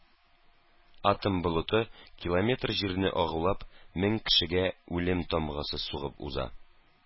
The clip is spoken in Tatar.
Атом болыты километр җирне агулап мең кешегә үлем тамгасы сугып уза.